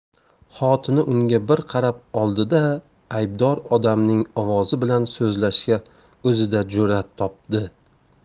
xotini unga bir qarab oldi da aybdor odamning ovozi bilan so'zlashga o'zida jur'at topdi